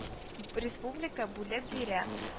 Республика бүлеп бирә